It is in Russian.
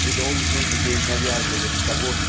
не должен ей навязывать того